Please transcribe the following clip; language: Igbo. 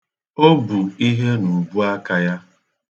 O bu ihe n'ubu aka ya.